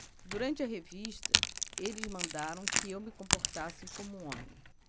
durante a revista eles mandaram que eu me comportasse como homem